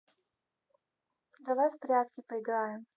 давай в прятки поиграем